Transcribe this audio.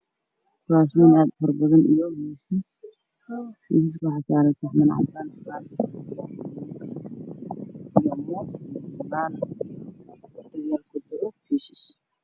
Waa miisas aada u fara badan waxaa saaran go- cadaan kuraasta meesha yaalo waa qaxwi iyo madow